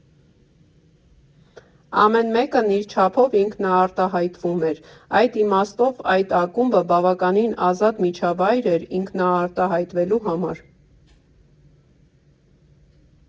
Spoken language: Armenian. Ամեն մեկն իր չափով ինքնարտահայտվում էր, այդ իմաստով այդ ակումբը բավականին ազատ միջավայր էր ինքնարտահայտվելու համար։